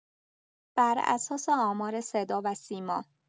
بر اساس آمار صداوسیما